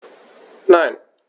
Nein.